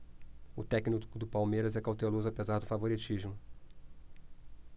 o técnico do palmeiras é cauteloso apesar do favoritismo